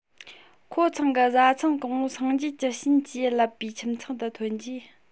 ཁོ ཚང གི བཟའ ཚང གང བོ སངས རྒྱས ཀྱི བྱིན གྱིས བརླབས པའི ཁྱིམ ཚང དུ ཐོན རྗེས